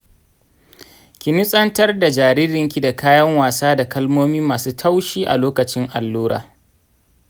ki nutsantar da jaririnki da kayan wasa da kalmomi masu taushi a lokacin allura.